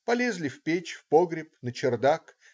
Полезли в печь, в погреб, на чердак.